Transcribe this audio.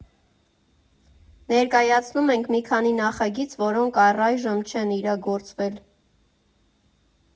Ներկայացնում ենք մի քանի նախագիծ, որոնք առայժմ չեն իրագործվել։